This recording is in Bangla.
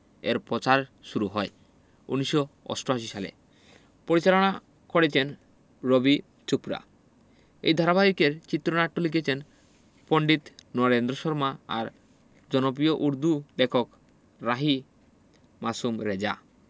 এর পচার শুরু হয় ১৯৮৮ সালে পরিচালনা করেছেন রবি চোপড়া এই ধারাবাহিকের চিত্রনাট্য লিখেছেন পণ্ডিত নরেন্দ্র শর্মা আর জনপিয় উর্দু লেখক রাহি মাসুম রেজা